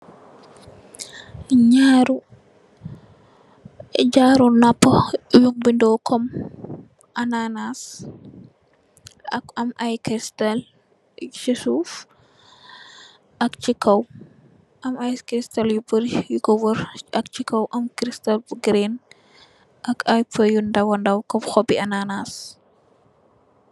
Naari jaaru noppa yu bendu kum ananass ak am ay cristal si suuf ak si kaw am ay cristal yu bori yu ko worr ak si kaw am cristal bu green ak ay perr yu ndawadaw kom xoobi ananass.